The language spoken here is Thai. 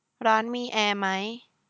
ร้านมีแอร์ไหม